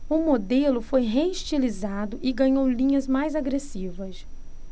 o modelo foi reestilizado e ganhou linhas mais agressivas